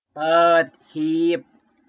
เปิดหีบ